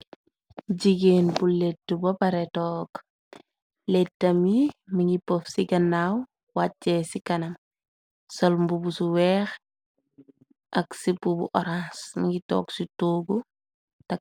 Jigeen bu lëttu bopare toog lettam yi mi ngi pof ci ganaaw wàchee ci kanam sol mbubu su weex ak sipu bu orange mu gi toog ci toogu tak.